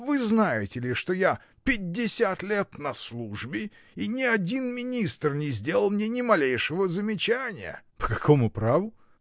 Вы знаете ли, что я пятьдесят лет на службе и ни один министр не сделал мне ни малейшего замечания?. — По какому праву?